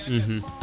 `